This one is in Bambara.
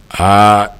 Haa